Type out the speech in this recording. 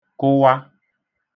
kụwa